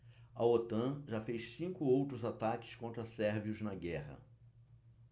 a otan já fez cinco outros ataques contra sérvios na guerra